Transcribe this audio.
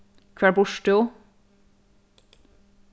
hvar býrt tú